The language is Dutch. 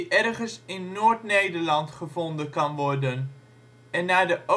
ergens in Noord-Nederland gevonden kan worden en naar de Oostfriese